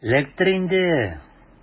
Эләктер инде!